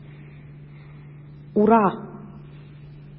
Ура!